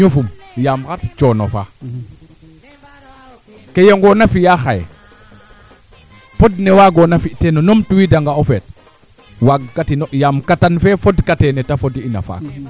manaam o ndeeta ngaan bo jangoona par exemple a areer of o xobda xobid kaaga rek yip no saaku